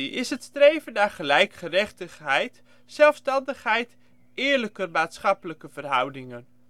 is het streven naar gelijkgerechtigdheid, zelfstandigheid, eerlijker maatschappelijke verhoudingen